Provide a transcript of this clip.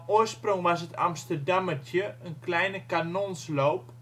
oorsprong was het amsterdammertje een kleine kanonsloop